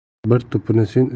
bir to'pini sen